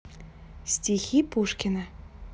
стихи пушкина